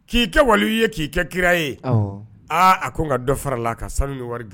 K'i kɛ wali ye k'i kɛ kira ye aaa a ko n ka dɔ fara la ka sanu wari di